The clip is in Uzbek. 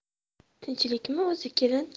tinchlikmi o'zi kelin